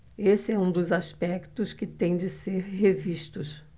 esse é um dos aspectos que têm que ser revistos